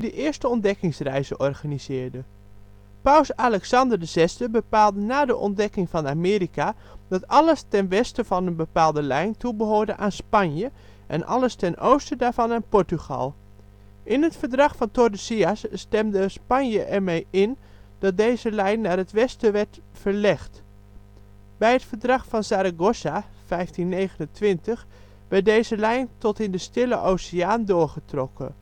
eerste ontdekkingsreizen organiseerden. Paus Alexander VI bepaalde na de ontdekking van Amerika dat alles ten westen van een bepaalde lijn toebehoorde aan Spanje, en alles ten oosten daarvan aan Portugal. In het verdrag van Tordesillas stemde Spanje ermee in dat deze lijn naar het westen werd verlegd. Bij het Verdrag van Zaragoza (1529) werd deze lijn tot in de Stille Oceaan doorgetrokken